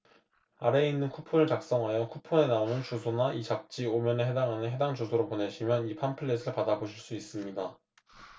아래에 있는 쿠폰을 작성하여 쿠폰에 나오는 주소나 이 잡지 오 면에 나오는 해당 주소로 보내시면 이 팜플렛을 받아 보실 수 있습니다